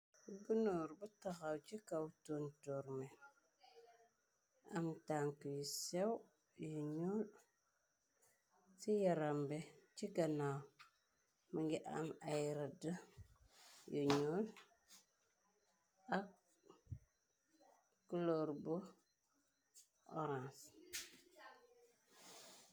Bunoor bu taxaw ci kaw tunturme am tank yu sew yu ñool ci yarambe ci ganaaw mëngi am ay rëdd yu ñool ak clor bu orance.